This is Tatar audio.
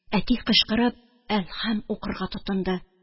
Әти кычкырып «Әлхәм» укырга тотынды.